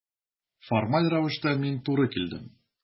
Формаль рәвештә мин туры килдем.